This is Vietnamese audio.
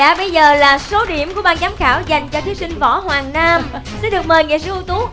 dạ bây giờ là số điểm của ban giám khảo giành cho thí sinh võ hoàng nam xin được mời nghệ sĩ ưu tú